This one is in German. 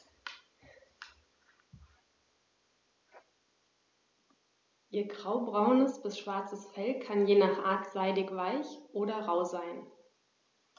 Ihr graubraunes bis schwarzes Fell kann je nach Art seidig-weich oder rau sein.